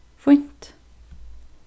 fínt